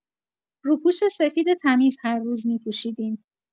روپوش‌سفید تمیز هر روز می‌پوشیدیم.